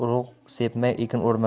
urug' sepmay ekin o'rmas